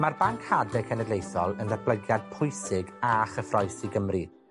Ma'r banc hade cenedlaethol yn datblygiad pwysig a chyffrous i Gymru.